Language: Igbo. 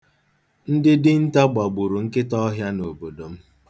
Ndị dinta gbagburu nkịtaọhịa n'obodo m.